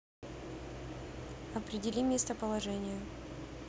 определи местоположение